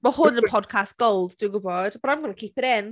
Mae hwn yn y podcast gold dwi'n gwybod, but I'm going to keep it in.